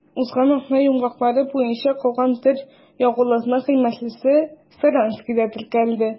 Узган атна йомгаклары буенча калган төр ягулыкның кыйммәтлесе Саранскида теркәлгән.